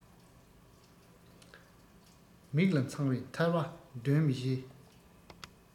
མིག ལ འཚངས པའི ཐལ བ འདོན མི ཤེས